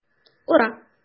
Ура!